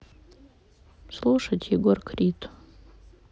слушать егор крид